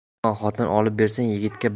yomon xotin olib bersang yigitga